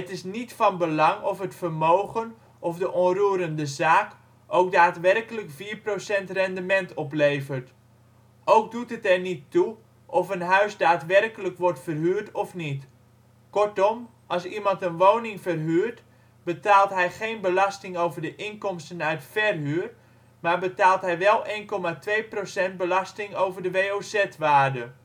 is niet van belang of het vermogen/de onroerende zaak ook daadwerkelijk 4 % rendement oplevert. Ook doet het er dus niet toe of een huis daadwerkelijk wordt verhuurd of niet. Kortom, als iemand een woning verhuurt, betaalt hij geen belasting over de inkomsten uit verhuur - maar betaalt hij wel 1,2 % belasting over de WOZ-waarde